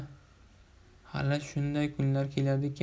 hali shunday kunlar keladiki